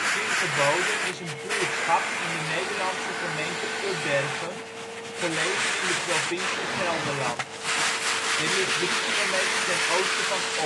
Tiengeboden is een buurtschap in de Nederlandse gemeente Ubbergen, gelegen in de provincie Gelderland. Het ligt drie kilometer ten oosten van